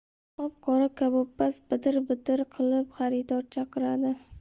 qop qora kabobpaz bidir bidir qilib xaridor chaqiradi